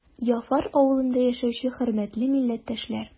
Яфар авылында яшәүче хөрмәтле милләттәшләр!